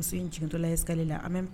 Muso in jigintɔla _ escalier la en même